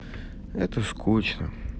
это скучно